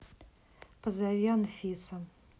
позови анфиса